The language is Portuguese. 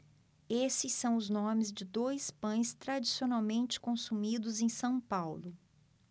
esses são os nomes de dois pães tradicionalmente consumidos em são paulo